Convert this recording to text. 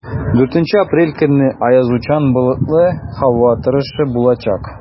4 апрель көнне аязучан болытлы һава торышы булачак.